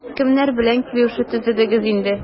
Кемнәр белән килешү төзедегез инде?